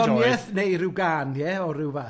barddoniaeth neu ryw gân, ie, o ryw fath?